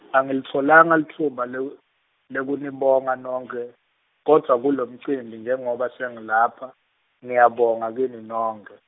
Angilitfolanga litfuba lek-, lekunibonga nonkhe, kodwva kulomcimbi njengoba sengilapha, ngiyabonga kini nonkhe.